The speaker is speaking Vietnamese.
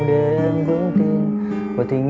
để em vững tin vào tình yêu